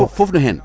foof ne hen